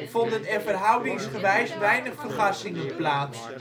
vonden er verhoudingsgewijs weinig vergassingen plaats